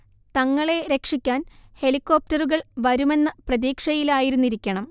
തങ്ങളെ രക്ഷിക്കാൻ ഹെലികോപ്റ്ററുകൾ വരുമെന്ന പ്രതീക്ഷയിലായിരുന്നിരിക്കണം